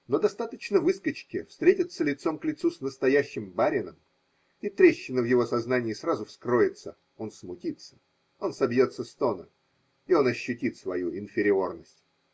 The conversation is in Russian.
Но достаточно выскочке встретиться лицом к лицу с настоящим барином, и трещина в его сознании сразу вскроется: он смутится, он собьется с тона – и он ощутит свою инфериорность.